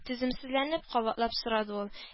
Түземсезләнеп, кабатлап сорады ул: